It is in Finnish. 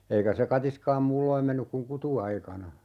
eikä se katiskaan muulloin mennyt kuin kutuaikana